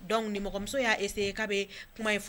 Dɔnku di mɔgɔmɔgɔmuso y'aese k'a bɛ kuma ye fɔ